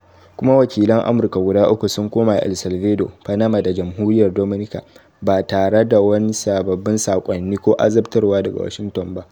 Kuma wakilan Amurka guda uku sun koma El Salvador, Panama da Jamhuriyar Dominica ba tare da sababbin saƙonni ko azabtarwa daga Washington ba.